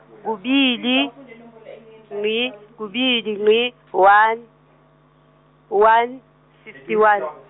kubili, ngqi kubili ngqi, one, one, fifty one.